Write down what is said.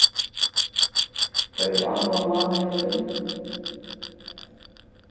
hvørji áhugamál hevur tú